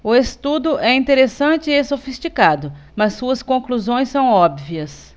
o estudo é interessante e sofisticado mas suas conclusões são óbvias